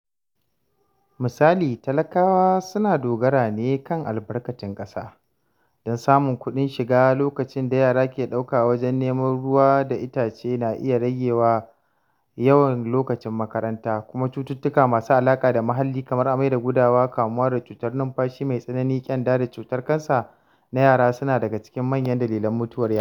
Misali, talakawa suna dogara ne kan albarkatun ƙasa don samun kuɗin shiga; lokacin da yara ke ɗauka wajen neman ruwa da itace na iya rage yawan lokacin makaranta; kuma cututtuka masu alaƙa da muhalli kamar amai da gudawa, kamuwa da cutar numfashi mai tsanani, ƙyanda, da cutar kansa na yara suna daga cikin manyan dalilan mutuwar yara.